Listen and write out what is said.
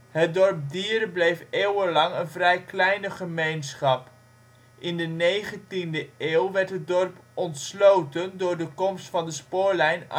Het dorp Dieren bleef eeuwenlang een vrij kleine gemeenschap. In de 19e eeuw werd het dorp ontsloten door de komst van de spoorlijn Arnhem-Zutphen